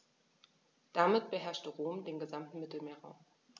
Damit beherrschte Rom den gesamten Mittelmeerraum.